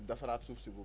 defaraat suuf si bu